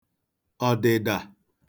ọ̀dị̀dà